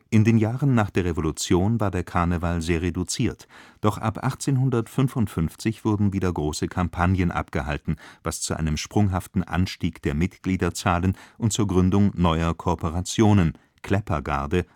In den Jahren nach der Revolution war der Karneval sehr reduziert, doch ab 1855 wurden wieder große Kampagnen abgehalten, was zu einem sprunghaften Anstieg der Mitgliederzahlen und zur Gründung neuer Korporationen (Kleppergarde